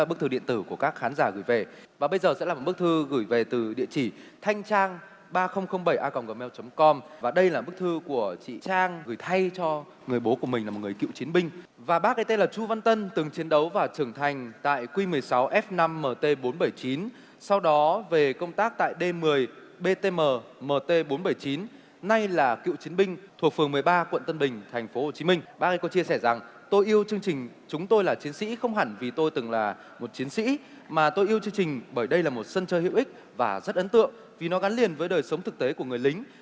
bức thư điện tử của các khán giả gửi về và bây giờ sẽ là một bức thư gửi về từ địa chỉ thanh trang ba không không bảy a còng gờ meo chấm com và đây là bức thư của chị trang gửi thay cho người bố của mình là một người cựu chiến binh và bác ấy tên là chu văn tân từng chiến đấu và trưởng thành tại quy mười sáu ép năm mờ tê bốn bảy chín sau đó về công tác tại đê mười bê tê mờ mờ tê bốn bảy chín nay là cựu chiến binh thuộc phường mười ba quận tân bình thành phố hồ chí minh bác ấy có chia sẻ rằng tôi yêu chương trình chúng tôi là chiến sĩ không hẳn vì tôi từng là một chiến sĩ mà tôi yêu chương trình bởi đây là một sân chơi hữu ích và rất ấn tượng vì nó gắn liền với đời sống thực tế của người lính